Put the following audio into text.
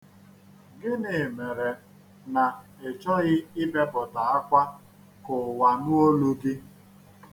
Gịnị mere na ị chọghị ibepụta akwa ka ụwa nụ olu gị?